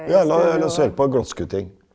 ja la la oss høre på glasskutting.